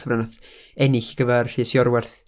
cyfrol wnaeth ennill gyfar Rhys Iorwerth.